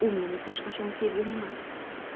u meni hech qachon sevgan emas